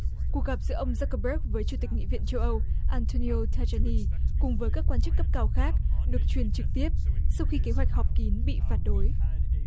cuộc gặp giữa ông dách cơ bớt với chủ tịch nghị viện châu âu an tô ni ô theo chơ i cùng với các quan chức cấp cao khác được truyền trực tiếp sau khi kế hoạch họp kín bị phản đối